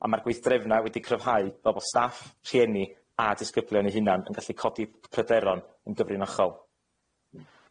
a ma'r gweithdrefna wedi cryfhau fel bo' staff, rhieni a disgyblion eu hunan yn gallu codi pryderon yn gyfrinachol.